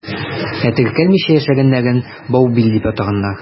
Ә теркәлмичә яшәгәннәрен «баубил» дип атаганнар.